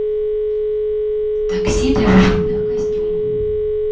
такси для выводных костюм